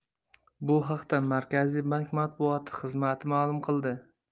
bu haqda markaziy bank matbuot xizmati ma'lum qildi